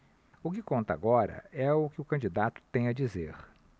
o que conta agora é o que o candidato tem a dizer